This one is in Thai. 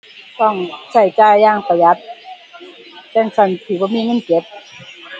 ต้องใช้จ่ายอย่างประหยัด จั่งซั้นสิบ่มีเงินเก็บ